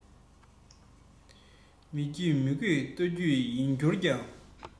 མི རྒྱུད མི དགོས ལྷ རྒྱུད ཡིན གྱུར ཀྱང